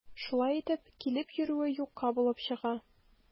Шулай итеп, килеп йөрүе юкка булып чыга.